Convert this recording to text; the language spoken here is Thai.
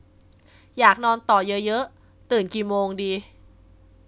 อยากนอนต่อเยอะเยอะตื่นกี่โมงดี